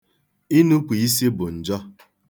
Inupu isi bụ njọ.